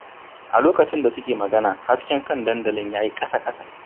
A lokacin da suke magana, hasken kan dandalin ya yi ƙasa-ƙasa.